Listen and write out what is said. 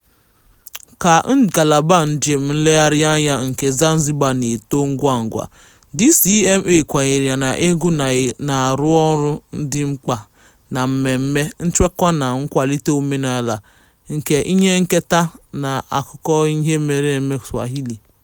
Ka ngalaba njem nlegharị anya nke Zanzibar na-eto ngwa ngwa, DCMA kwenyere na egwu na-arụ ọrụ dị mkpa na mmemme, nchekwa na nkwalite omenaala nke ihe nketa na akụkọ ihe mere eme Swahili.